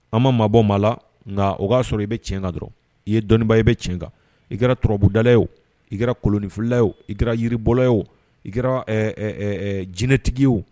An ma maabɔ ma la nka o y'a sɔrɔ i bɛ tiɲɛka dɔrɔn i ye dɔnniba ye i bɛ tiɲɛ kan i kɛra turabudala oo i kɛra koloninfila oo i kɛra yiribɔlɔ oo i kɛra jinɛtigi o